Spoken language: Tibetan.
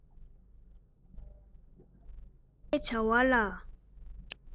མཁས པའི བྱ བ ལ